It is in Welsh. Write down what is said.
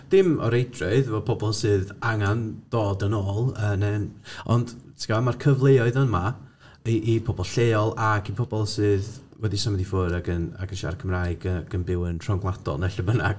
Dim o reidrwydd efo pobl sydd angen dod yn ôl yn y... Ond, ti'n gwbod, mae'r cyfleoedd yma i i pobl lleol ac i pobl sydd wedi symud i ffwrdd ac yn ac yn siarad Cymraeg ac yn byw yn rhyngwladol neu lle bynnag.